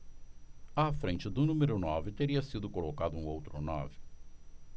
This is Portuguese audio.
à frente do número nove teria sido colocado um outro nove